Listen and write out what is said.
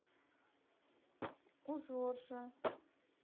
у жоржа